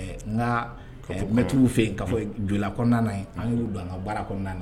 N ka mɛtigiw fɛ yen ka j kɔnɔna an y'u don an ka baara kɔnɔna na